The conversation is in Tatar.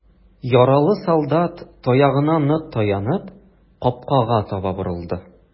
Яралы солдат, таягына нык таянып, капкага таба борылды.